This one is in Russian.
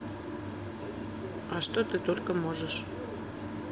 а что ты только можешь